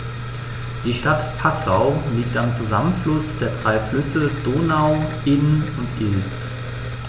Die Stadt Passau liegt am Zusammenfluss der drei Flüsse Donau, Inn und Ilz.